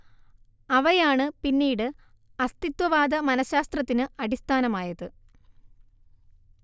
അവയാണ് പിന്നീട് അസ്തിത്വവാദമനശാസ്ത്രത്തിന് അടിസ്ഥാനമായത്